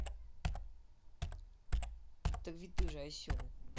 так ведь ты же осел